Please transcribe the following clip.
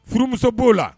Furumuso b'o la